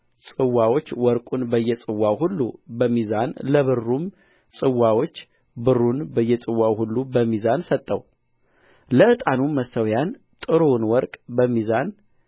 ጽዋዎች ወርቁን በየጽዋው ሁሉ በሚዛን ለብሩም ጽዋዎች ብሩን በየጽዋው ሁሉ በሚዛን ሰጠው ለዕጣኑም መሠዊዋ ጥሩውን ወርቅ በሚዛን